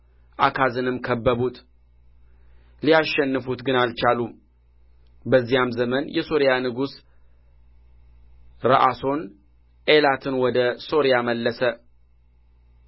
አካዝንም ከበቡት ሊያሸንፉት ግን አልቻሉም በዚያም ዘመን የሶርያ ንጉሥ ረአሶን ኤላትን ወደ ሶርያ መለሰ